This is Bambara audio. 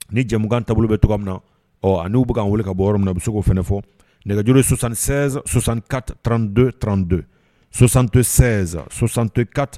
Ni jɛmukan taabolo bɛ to min na ɔ nu bɛ'an weele ka bɔ yɔrɔ min na u bɛ se k'ofɔ nɛgɛjsansanka tranto trantosanto sɛsansantoka